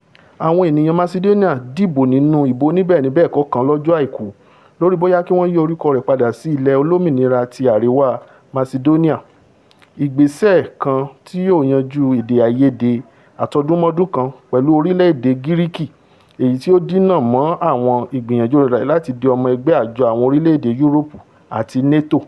Àwọn ènìyàn Macedoni dìbò nínú ìbò oníbẹ́èni-bẹ́ẹ̀kọ́ kan lọ́jọ́ Àìkú lórí bóyá kí wọ́n yí orúkọ rẹ̀ padà si ''Ilẹ̀ Olómìnira ti Àríwá Masidónià,'' ìgbésẹ kan tí yóò yanjú èdè-àìyedè atọdunmọdun kan pẹlu orilẹ-ede Gíríkì èyití ó ti dínà mọ́ àwọn ìgbìyànjú rẹ̀ làti di ọmọ ẹgbẹ́ Àjọ Àwọn orílẹ̀-èdè Yúróòpù àti NATO.